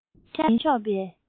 དེ བཞིན ཤར ཕྱོགས པའི